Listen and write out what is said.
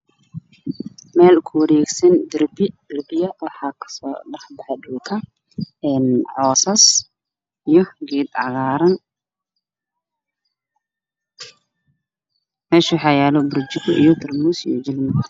Waa meel kuwareegsan darbi waxaa ka soobaxay dhulka cawsas iyo geed cagaaran meesha waxaa yaalo burjiko, tarmuus iyo jalmad.